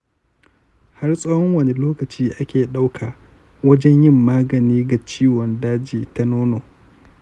har tsawon wane lokaci ake ɗauka wajen yin magani ga ciwon daji ta nono?